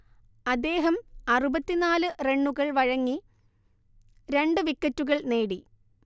അദ്ദേഹം അറുപത്തി നാല് റണ്ണുകൾ വഴങ്ങി രണ്ട് വിക്കറ്റുകൾ നേടി